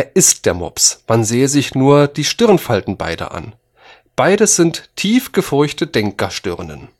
ist der Mops; man sehe sich nur die Stirnfalten beider an: beides sind tiefgefurchte Denkerstirnen